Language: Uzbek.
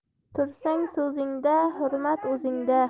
tursang so'zingda hurmat o'zingda